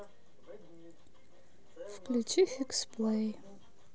включи фикс плей